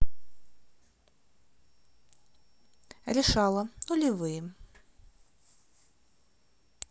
решала нулевые